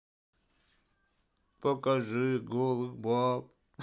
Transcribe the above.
покажи голых баб